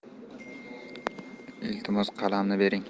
iltimos qalamni bering